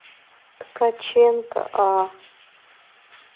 ткаченко а